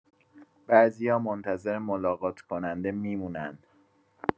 بعضی‌ها منتظر ملاقات‌کننده می‌مونن.